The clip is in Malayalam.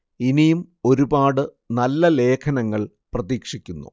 ഇനിയും ഒരുപാട് നല്ല ലേഖനങ്ങൾ പ്രതീക്ഷിക്കുന്നു